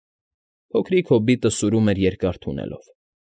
Փոքրիկ հոբիտը սուրում էր երկար թունելով։